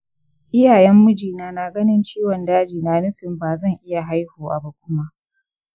iyayen mijina na ganin ciwon daji na nufin ba zan iya haihuwa ba kuma.